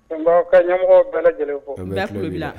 N ka ɲɛmɔgɔ bɛ lajɛlen fɔ